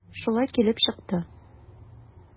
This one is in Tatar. Шулай килеп чыкты.